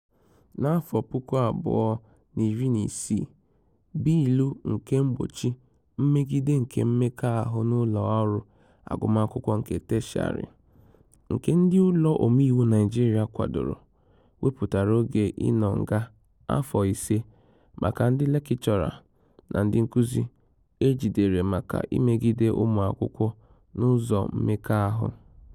Na 2016, "Bịịlụ nke Mgbochi Mmegide Kemmekọahụ n'Ụlọọrụ Agụmakwụkwọ nke Teshịarị", nke ndị Ụlọ Omeiwu Naịjirịa kwadoro wepụtara oge ịnọ nga afọ 5 maka ndị lekịchọra na ndị nkuzi e jidere maka imegide ụmụ akwụkwọ n'ụzọ mmekọahụ.